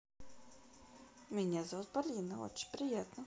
меня зовут полина очень приятно